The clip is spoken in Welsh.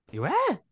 Yw e?